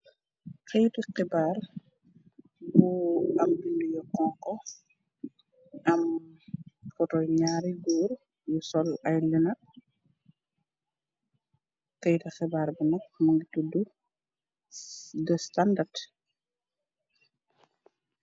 Xeytu xebaar bu am bindu yo xonko am foto nyaari guur yu sol ay lunet. Xebaar bi neg mu ngi tudd de standard.